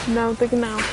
Naw deg naw